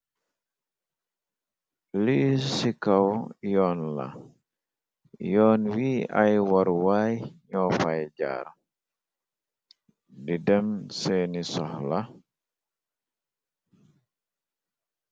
Li ci kaw yoon la yoon wi ay waruwaay ñoo fay jaar di dem seeni soh la.